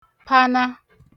pana